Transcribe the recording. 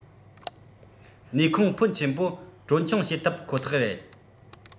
ནུས ཁུངས ཕོན ཆེན པོ གྲོན ཆུང བྱེད ཐུབ ཁོ ཐག རེད